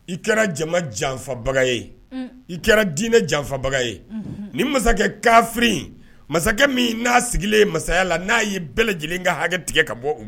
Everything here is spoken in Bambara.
I kɛra jama janfabaga ye unh i kɛra diinɛ janfabaga ye unhun nin masakɛ kafiri in masakɛ min n'a sigilen masaya la n'a ye bɛɛ lajɛlen ka hakɛ tigɛ ka bɔ u